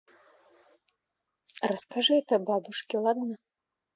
расскажи это бабушке ладно